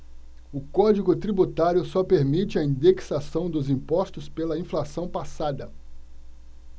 o código tributário só permite a indexação dos impostos pela inflação passada